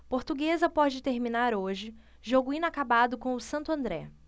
portuguesa pode terminar hoje jogo inacabado com o santo andré